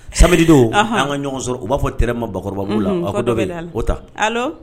Saridon an ka ɲɔgɔn sɔrɔ u b'a fɔ tɛ ma bakɔrɔba la dɔ o ta